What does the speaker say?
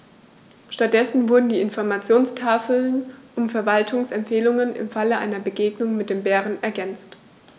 Stattdessen wurden die Informationstafeln um Verhaltensempfehlungen im Falle einer Begegnung mit dem Bären ergänzt.